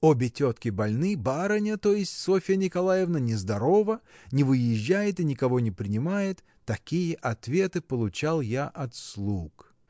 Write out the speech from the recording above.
Обе тетки больны, “барыня”, то есть Софья Николаевна, нездорова, не выезжает и никого не принимает: такие ответы получал я от слуг.